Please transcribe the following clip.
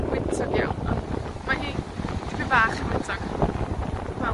yn wyntog iawn, ond, ma' hi dipyn bach yn wyntog. Wel,